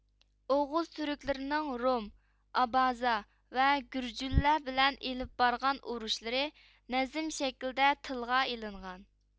ئوغۇز تۈركلىرىنىڭ روم ئابازا ۋە گۈرجۈللەر بىلەن ئېلىپ بارغان ئورۇشلىرى نەزم شەكلىدە تىلغا ئېلىنغان